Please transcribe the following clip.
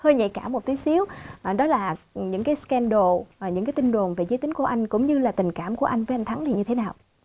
hơi nhạy cảm một tí xíu đó là những cái sờ ken đồ những cái tin đồn về giới tính của anh cũng như là tình cảm của anh với anh thắng thì như thế nào